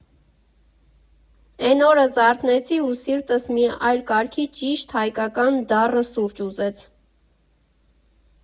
Էն օրը զարթնեցի ու սիրտս մի այլ կարգի ճիշտ, հայկական, դառը սուրճ ուզեց։